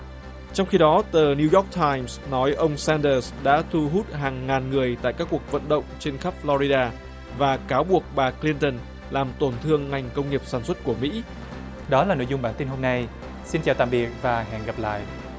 trong khi đó tờ niu dooc tham nói ông san đờ đã thu hút hàng ngàn người tại các cuộc vận động trên khắp pho ri đa và cáo buộc bà cờ lin từn làm tổn thương ngành công nghiệp sản xuất của mỹ đó là nội dung bản tin hôm nay xin chào tạm biệt và hẹn gặp lại